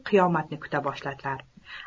qiyomatni kuta boshladilar